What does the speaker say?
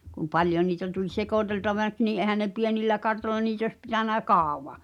kun paljon niitä tuli sekoiteltavaksi niin eihän ne pienillä kartoilla niitä olisi pitänyt kauan